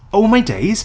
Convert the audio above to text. Oh my days!